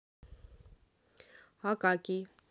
акакий